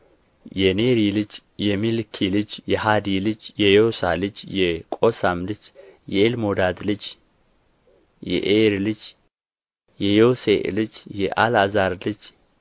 የኔሪ ልጅ የሚልኪ ልጅ የሐዲ ልጅ የዮሳስ ልጅ የቆሳም ልጅ የኤልሞዳም ልጅ የኤር ልጅ የዮሴዕ ልጅ የኤልዓዘር ልጅ